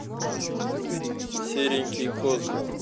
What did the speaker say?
серенький козлик